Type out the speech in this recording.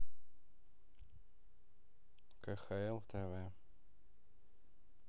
кхл тв